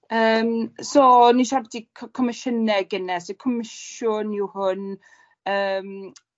Yym so o'n i siarad bytu co- comisiyne gynne sef comisiwn yw hwn yym